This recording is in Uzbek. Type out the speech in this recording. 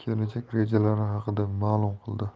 tayson fyuri kelajak rejalari haqida ma'lum qildi